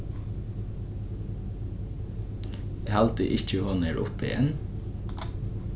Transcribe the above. eg haldi ikki hon er uppi enn